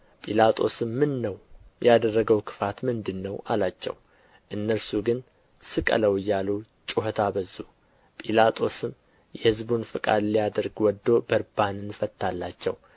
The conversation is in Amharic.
ጲላጦስም ምን ነው ያደረገው ክፋት ምንድር ነው አላቸው እነርሱ ግን ስቀለው እያሉ ጩኸት አበዙ ጲላጦስም የሕዝቡን ፈቃድ ሊያደርግ ወዶ በርባንን ፈታላቸው